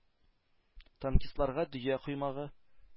Танкистларга – дөя “коймагы”